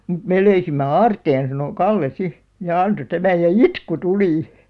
mutta me löysimme aarteen sanoi Kalle sitten ja antoi tämän ja itku tuli